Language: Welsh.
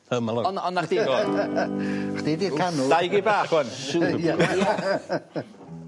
Hum along. On' o 'na chdi. Chdi 'di'r canwr. Dau gi bach ŵan. Y iia .